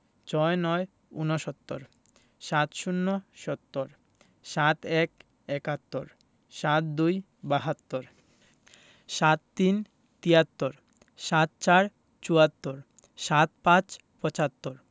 ৬৯ – ঊনসত্তর ৭০ - সত্তর ৭১ – একাত্তর ৭২ – বাহাত্তর ৭৩ – তিয়াত্তর ৭৪ – চুয়াত্তর ৭৫ – পঁচাত্তর